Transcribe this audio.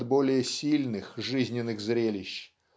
от более сильных жизненных зрелищ